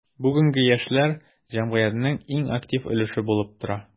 Бүгенге яшьләр – җәмгыятьнең иң актив өлеше булып тора.